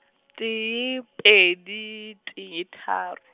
tee pedi tee tharo.